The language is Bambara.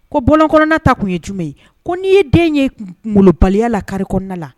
Ko bɔlɔn kɔnɔna ta kun ye jumɛn ye? Ko n'i ye den ye molobaliya la carré kɔnɔna na